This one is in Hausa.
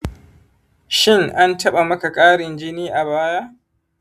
shin an taɓa maka ƙarin jini a baya?